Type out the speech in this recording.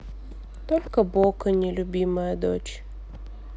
только бока нелюбимая дочь